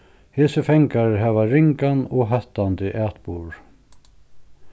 hesir fangar hava ringan og hóttandi atburð